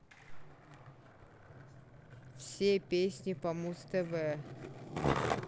все песни по муз тв